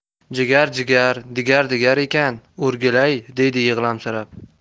jigar jigar digar digar ekan o'rgilay deydi yig'lamsirab